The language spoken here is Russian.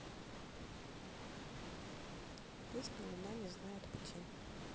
песня луна не знает пути